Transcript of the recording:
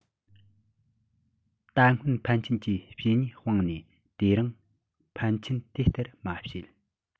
ད སྔོན ཕན ཆད ཀྱི བྱས ཉེས སྤངས ནས དེ རིང ཕན ཆད དེ ལྟར མ བྱེད